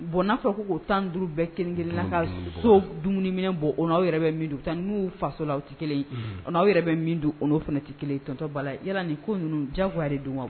Bon n'a fɔ ko' tan duuru bɛɛ kelen kelenla ka so dumuniminɛ bɔ o aw yɛrɛ bɛ don u n'u faso la aw tɛ kelen aw yɛrɛ bɛ min don o fana tɛ kelen tɔntɔ bala yala nin ko ninnu jago yɛrɛ don wa